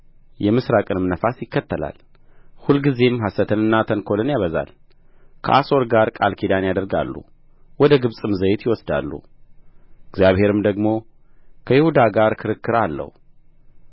የምሥራቅንም ነፋስ ይከተላል ሁልጊዜም ሐሰትንና ተንኰልን ያበዛል ከአሦር ጋር ቃል ኪዳን ያደርጋሉ ወደ ግብጽም ዘይት ይወስዳሉ እግዚአብሔርም ደግሞ ከይሁዳ ጋር ክርክር አለው